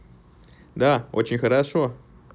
да очень хорошо